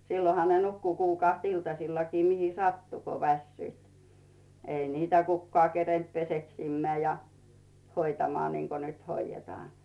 silloinhan ne nukkui kuukahti iltasillakin mihin sattui kun väsyivät ei niitä kukaan kerinnyt peseksimään ja hoitamaan niin kuin nyt hoidetaan